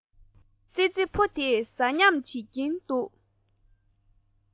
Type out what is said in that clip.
ཙི ཙི ཕོ དེ ཟ སྙམ བྱེད ཀྱིན འདུག